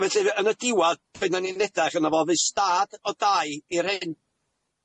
A felly yn y diwadd pan 'dan ni'n edrach arno fo fydd stad o dai i rhentu